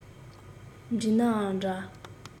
འགྲིག ནའང འདྲ